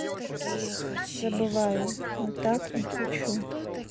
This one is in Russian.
забываю но так не хочу